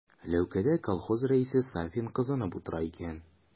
Ләүкәдә колхоз рәисе Сафин кызынып утыра икән.